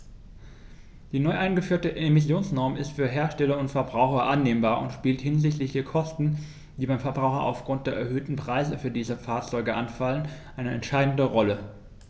Die neu eingeführte Emissionsnorm ist für Hersteller und Verbraucher annehmbar und spielt hinsichtlich der Kosten, die beim Verbraucher aufgrund der erhöhten Preise für diese Fahrzeuge anfallen, eine entscheidende Rolle.